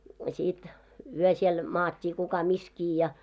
sitten yö siellä maattiin kuka missäkin ja